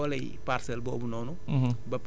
pour yokk dooley parcelle boobu noonu